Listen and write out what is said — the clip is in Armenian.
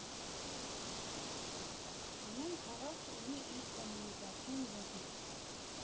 Ամեն քաղաք ունի իր կոմունիկացիոն լեզուն։